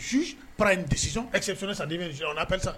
Su pa in desi esif san ni minɛ sa